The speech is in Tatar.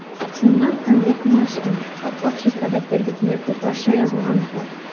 Шуннан конвертны ачтым, ап-ак чиста дәфтәр битенә татарча язылган хат.